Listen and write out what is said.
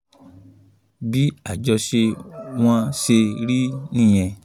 Bí àjọṣẹ wọn ṣe rí nìyẹn.